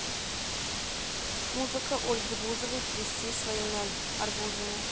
музыка ольги бузовой треси своими арбузами